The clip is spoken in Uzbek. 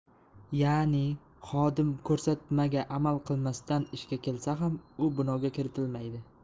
ya'ni xodim ko'rsatmaga amal qilmasdan ishga kelsa ham u binoga kiritilmaydi